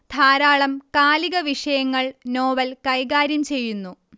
ധാരാളം കാലിക വിഷയങ്ങൾ നോവൽ കൈകാര്യം ചെയ്യുന്നു